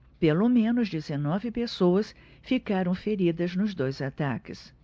pelo menos dezenove pessoas ficaram feridas nos dois ataques